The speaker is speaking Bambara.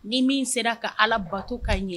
Ni min sera ka ala bato ka ɲɛ